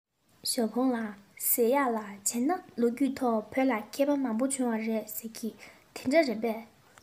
ཞའོ ཧྥུང ལགས ཟེར ཡས ལ བྱས ན ལོ རྒྱུས ཐོག བོད ལ མཁས པ མང པོ བྱུང བ རེད ཟེར གྱིས དེ འདྲ རེད པས